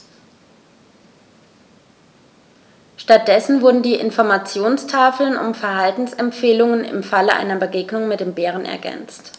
Stattdessen wurden die Informationstafeln um Verhaltensempfehlungen im Falle einer Begegnung mit dem Bären ergänzt.